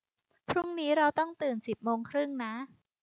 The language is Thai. พรุ่งนี้เราต้องตื่นสิบโมงครึ่งนะ